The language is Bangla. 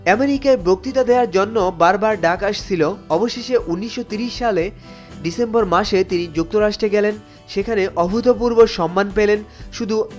আমেরিকায় বক্তৃতা দেয়ার জন্য বারবার ডাক আসছিল অবশেষে হাজার ১৯৩০ সালে ডিসেম্বর মাসে তিনি যুক্তরাষ্ট্রে গেলেন সেখানে অভূতপূর্ব সম্মান পেলেন শুধু